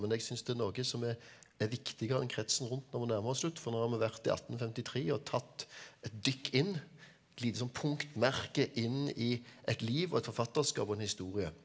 men jeg synes det er noe som er er viktigere enn kretsen rundt når vi nærmer oss slutt, for nå har vi vært i 1853 og tatt et dykk inn, et lite sånt punktmerke inn i et liv og et forfatterskap og en historie.